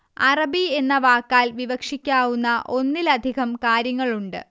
അറബി എന്ന വാക്കാൽ വിവക്ഷിക്കാവുന്ന ഒന്നിലധികം കാര്യങ്ങളുണ്ട്